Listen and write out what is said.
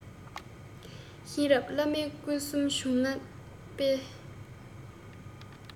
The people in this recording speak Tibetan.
གཤེན རབ བླ མ སྐུ གསུམ འབྱུང གནས དཔལ